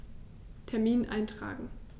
Termin eintragen